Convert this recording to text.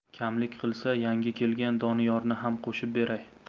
kamlik qilsa yangi kelgan doniyorni ham qo'shib beray